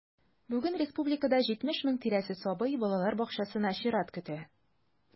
Бүген республикада 70 мең тирәсе сабый балалар бакчасына чират көтә.